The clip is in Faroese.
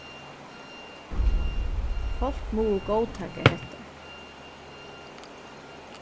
fólk mugu góðtaka hettar